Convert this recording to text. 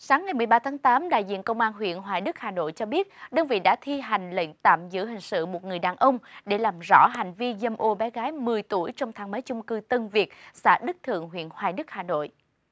sáng ngày mười ba tháng tám đại diện công an huyện hoài đức hà nội cho biết đơn vị đã thi hành lệnh tạm giữ hình sự một người đàn ông để làm rõ hành vi dâm ô bé gái mười tuổi trong thang máy chung cư tân việt xã đức thượng huyện hoài đức hà nội